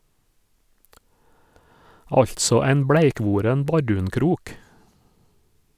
Altså ein bleikvoren bardunkrok.